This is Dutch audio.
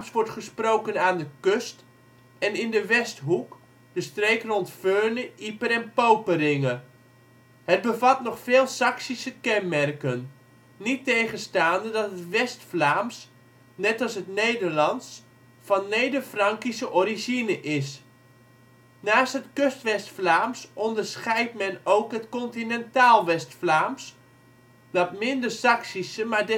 wordt gesproken aan de Kust en in de Westhoek (de streek rond Veurne, Ieper en Poperinge). Het bevat nog veel Saksische kenmerken, niettegenstaande dat het West-Vlaams, net als het Nederlands, van Nederfrankische origine is. Naast het Kustwest-Vlaams onderscheidt men ook het continentaal West-Vlaams, dat minder Saksische maar